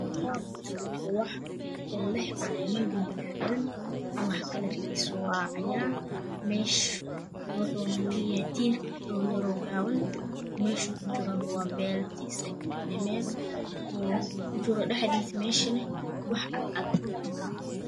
Halkanwaxakujira uwax oleh calemanbalbalaran uwaxa kalarkisa waacagar waxun leyahay derbiyar gaban meshakujirana wabaldi kujirana wax cadcad